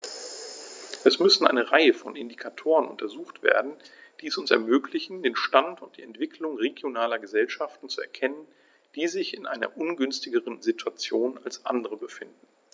Es müssen eine Reihe von Indikatoren untersucht werden, die es uns ermöglichen, den Stand und die Entwicklung regionaler Gesellschaften zu erkennen, die sich in einer ungünstigeren Situation als andere befinden.